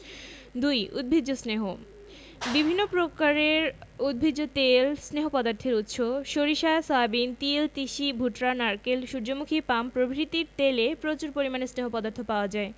২. উদ্ভিজ্জ স্নেহ বিভিন্ন প্রকারের উদ্ভিজ তেল স্নেহ পদার্থের উৎস সরিষা সয়াবিন তিল তিসি ভুট্টা নারকেল সুর্যমুখী পাম প্রভৃতির তেলে প্রচুর পরিমাণে স্নেহ পদার্থ পাওয়া যায়